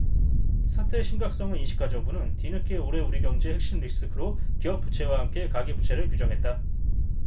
사태의 심각성을 인식한 정부는 뒤늦게 올해 우리 경제 핵심 리스크로 기업부채와 함께 가계부채를 규정했다